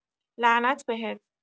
لعنت بهت